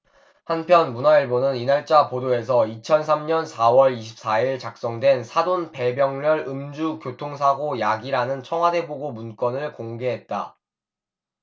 한편 문화일보는 이날자 보도에서 이천 삼 년 사 월 이십 사 일 작성된 사돈 배병렬 음주교통사고 야기라는 청와대 보고 문건을 공개했다